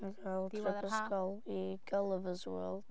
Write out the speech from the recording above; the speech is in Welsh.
Wnaethon ni gael... Diwedd yr Haf? ...trip ysgol i Gullivers World